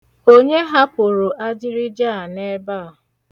Onye hapụrụ ajịrịja a n'ebe a?